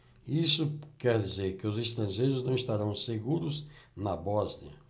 isso quer dizer que os estrangeiros não estarão seguros na bósnia